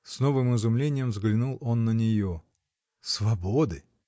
С новым изумлением взглянул он на нее. — Свободы!